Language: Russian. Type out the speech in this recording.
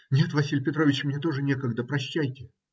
- Нет, Василий Петрович, мне тоже некогда, прощайте!